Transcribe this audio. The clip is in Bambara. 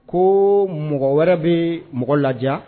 Ko mɔgɔ wɛrɛ bɛ mɔgɔ ladiya